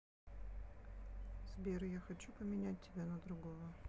сбер я хочу поменять тебя на другого